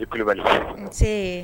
I Kulubali. N see.